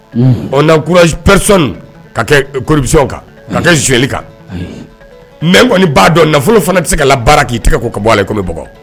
Ɔ na kurasɔn ka kɛ kan ka kɛ zli kan mɛ kɔniɔni ba dɔn nafolo fana bɛ se ka baara k'i tɛgɛ ko ka bɔ kɔmi bɛ bɔ